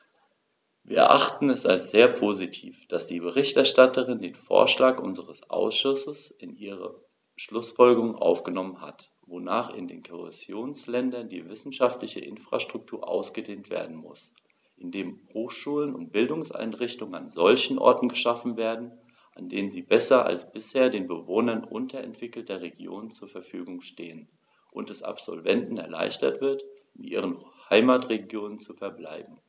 Wir erachten es als sehr positiv, dass die Berichterstatterin den Vorschlag unseres Ausschusses in ihre Schlußfolgerungen aufgenommen hat, wonach in den Kohäsionsländern die wissenschaftliche Infrastruktur ausgedehnt werden muss, indem Hochschulen und Bildungseinrichtungen an solchen Orten geschaffen werden, an denen sie besser als bisher den Bewohnern unterentwickelter Regionen zur Verfügung stehen, und es Absolventen erleichtert wird, in ihren Heimatregionen zu verbleiben.